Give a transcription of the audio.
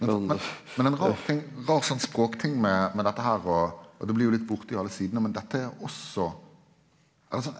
men men men ein rar ting rar sånn språkting med med dette her og og det blir jo litt borte i alle sidene men dette er også eller sånn.